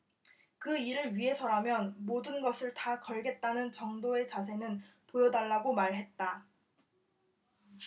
그 일을 위해서라면 모든 것을 다 걸겠다는 정도의 자세는 보여달라고 말했다